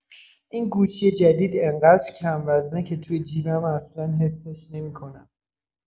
این گوشی جدید انقدر کم‌وزنه که توی جیبم اصلا حسش نمی‌کنم.